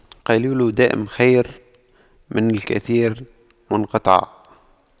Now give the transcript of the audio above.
قليل دائم خير من كثير منقطع